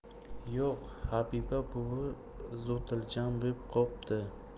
yo'q habiba buvi zotiljam bo'p qopti